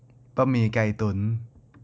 บะหมี่ไก่ตุ่น